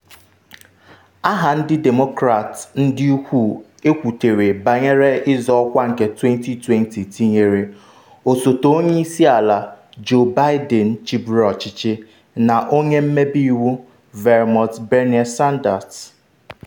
Aha ndị Demokrat ndị ukwuu ekwutere banyere ịzọ ọkwa nke 2020 tinyere Osote Onye Isi Ala Joe Biden chịburu ọchịchị na Onye Ọmebe iwu Vermont Bernie Sanders.